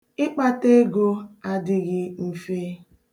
Ịkpata ego adịghị mfe.